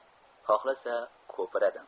xohlasa ko'piradi